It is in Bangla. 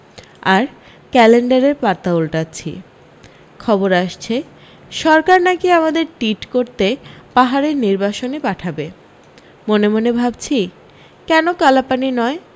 আর ক্যালেন্ডারের পাতা ওল্টাচ্ছি খবর আসছে সরকার নাকি আমাদের টিট করতে পাহাড়ে নির্বাসনে পাঠাবে মনে মনে ভাবছি কেন কালাপানি নয়